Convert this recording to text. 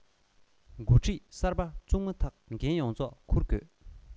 འགོ ཁྲིད གསར པ བཙུགས མ ཐག འགན ཡོངས རྫོགས འཁུར དགོས